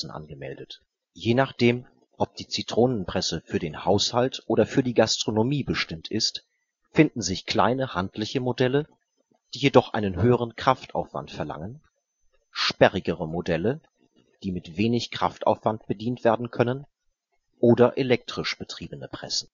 angemeldet. Je nachdem, ob die Zitronenpresse für den Haushalt oder für die Gastronomie bestimmt ist, finden sich kleine handliche Modelle, die jedoch einen höheren Kraftaufwand verlangen, sperrigere Modelle, die mit wenig Kraftaufwand bedient werden können, oder elektrisch betriebene Pressen